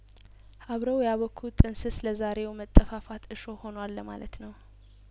አብረው ያቦኩት ጥን ስስ ለዛሬው መጠፋፋት እርሾ ሆኗል ለማለት ነው